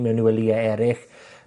mewn welye eryll.